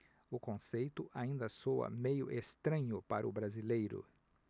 o conceito ainda soa meio estranho para o brasileiro